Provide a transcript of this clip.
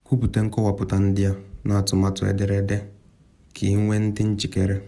Kwupute nkọwapụta ndị a n’atụmatụ edere ede ka ị nwee dị njikere.